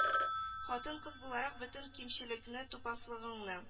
Хатын-кыз буларак бөтен кимчелегеңне тупаслыгыңны